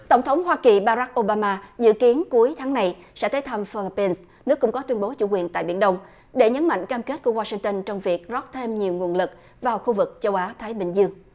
tổng thống hoa kỳ ba rắc ô ba ma dự kiến cuối tháng này sẽ tới thăm pho la pên nước cũng có tuyên bố chủ quyền tại biển đông để nhấn mạnh cam kết của goa sinh tơn trong việc rót thêm nhiều nguồn lực vào khu vực châu á thái bình dương